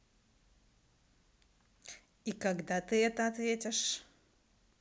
и когда ты это ответишь